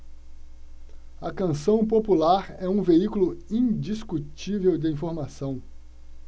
a canção popular é um veículo indiscutível de informação